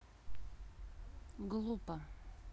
глупо